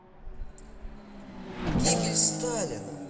гибель сталина